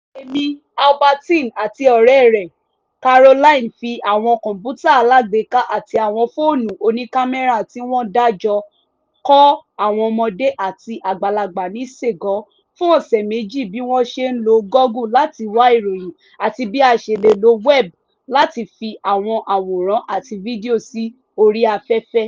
Èmi, Albertine àti ọ̀rẹ́ rẹ̀ Caroline fí àwọn Kọ̀ńpútà alágbéká àti àwọ̀n fóònù oní-kámẹ́rà tí wọ́n dá jọ kọ́ àwọn ọmọde àti àgbàlagbà ní Ségou fún ọ̀sẹ̀ mèjì bí wọ́n ṣe ń lo Google láti wá ìròyìn àti bí a ṣe ń lo Web láti fi àwọn àwòrán àti fídíò sí orí áfẹ́fẹ́.